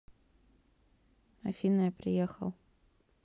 афина я приехал